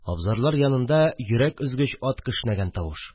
Абзарлар янында йөрәк өзгеч ат кешнәгән тавыш